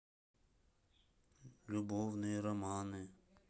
любовные романы